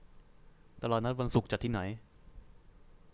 ตลาดนัดวันศุกร์จัดที่ไหน